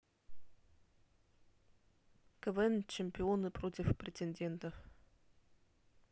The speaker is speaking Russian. квн чемпионы против претендентов